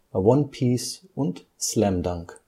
One Piece und Slam Dunk